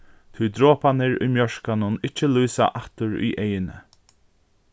tí droparnir í mjørkanum ikki lýsa aftur í eyguni